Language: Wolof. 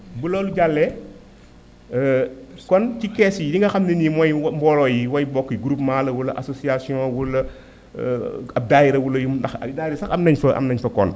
bu loolu jàllee kon ci kees yi yi nga xam ne ni mooy mbooloo yi way bokk yi groupement la wala association wala ab dahira wala yum ndax ay dahira sax am nañ fa am nañ fa compte